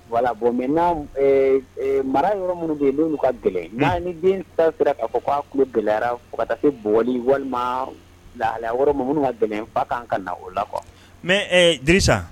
voilà bon maintenat ɛɛ mara yɔrɔ minnu bɛ yen n'olu ka gɛlɛn, un, n'a ye ni den ta sera k' a fɔ k'a tulo gɛlɛyara fo ka taa se bugɔli walima lahala wɛrɛ ma minnu ka gɛlɛn fa ka kan ka na ola quoi , mais ɛ Dirisa